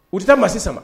U tɛ taa maasi sama!